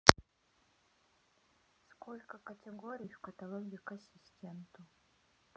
сколько категорий в каталоге к ассистенту